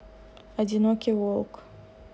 одинокий волк